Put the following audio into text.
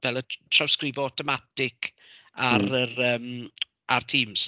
Fel y t- trawsgrifo awtomatig ar yr yym ar Teams.